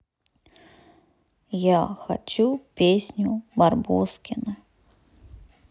я хочу песню барбоскины